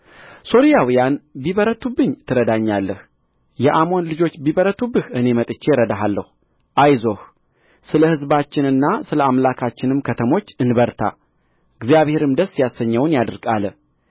ሶርያውያን ቢበረቱብኝ ትረዳኛለህ የአሞን ልጆች ቢበረቱብህ እኔ መጥቼ እረዳሃለሁ አይዞህ ስለ ሕዝባችንና ስለ አምላካችንም ከተሞች እንበርታ እግዚአብሔርም ደስ ያሰኘውን ያድርግ አለ